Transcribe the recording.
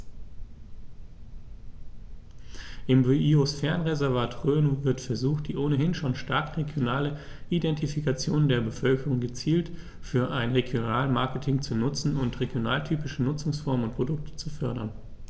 Im Biosphärenreservat Rhön wird versucht, die ohnehin schon starke regionale Identifikation der Bevölkerung gezielt für ein Regionalmarketing zu nutzen und regionaltypische Nutzungsformen und Produkte zu fördern.